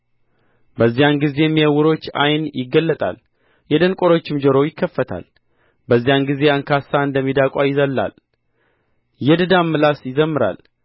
በዚያን ጊዜም የዕውሮች ዓይን ይገለጣል የደንቆሮችም ጆሮ ይከፈታል በዚያን ጊዜ አንካሳ እንደ ሚዳቋ ይዘልላል የድዳም ምላስ ይዘምራል